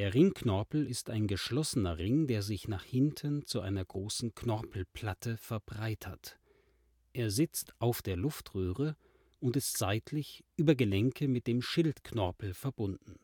Ringknorpel ist ein geschlossener Ring, der sich nach hinten zu einer großen Knorpelplatte verbreitert. Er sitzt auf der Luftröhre und ist seitlich über Gelenke mit dem Schildknorpel verbunden